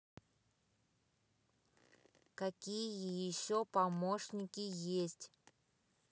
какие еще помощники есть